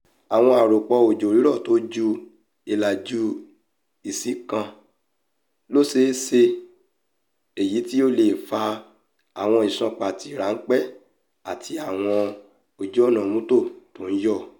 Àwọn àrọ̀pọ̀ òjò rírọ̀ tí ó ju ìlàjì íǹsì kan lọ ṣeé ṣe, èyití ó leè fa àwọn ìsàn pàǹtí ráńpẹ́ àti àwọn ojú ọ̀nà mọ́tò tó ńyọ́.